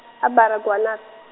a Baragwanath.